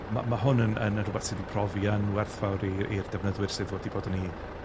ma' ma' hwn yn yn yn rwbeth sy 'di profi yn werthfawr i i'r defnyddwyr sydd wedi bod yn 'i